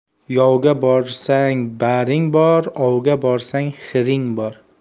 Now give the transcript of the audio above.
yovga borsang baring bor ovga borsang hiring bor